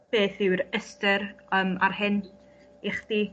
beth yw'r ystyr yym ar hyn i chdi.